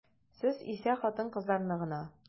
Сез исә хатын-кызларны гына.